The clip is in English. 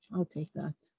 I'll take that.